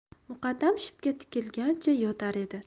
muqaddam shiftga tikilgancha yotar edi